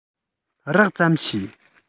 རགས ཙམ ཤེས